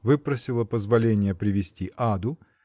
выпросила позволение привести Аду